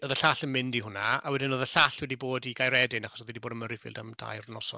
Oedd y llall yn mynd i hwnna. A wedyn oedd y llall wedi bod i Gaeredin achos oedd hi 'di bod ym Murrayfield am dair noson.